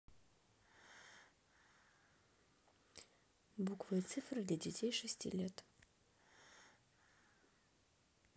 буквы и цифры для детей шести лет